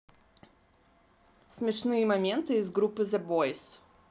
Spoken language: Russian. смешные моменты из группы the boys